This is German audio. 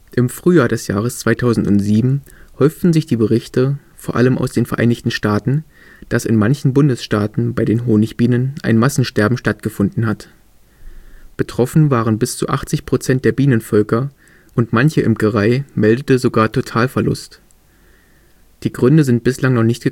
Im Frühjahr des Jahres 2007 häuften sich die Berichte, vor allem aus den Vereinigten Staaten, dass in manchen Bundesstaaten bei den Honigbienen ein Massensterben stattgefunden hat. Betroffen waren bis zu 80 % der Bienenvölker und manche Imkerei meldete sogar Totalverlust. Die Gründe sind bislang noch nicht geklärt